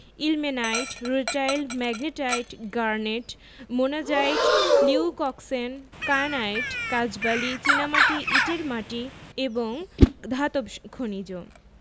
ilmenite rutile magnetite garnet monazite leucoxene kyanite কাঁচবালি চীনামাটি ইটের মাটি এবং ধাতব খনিজ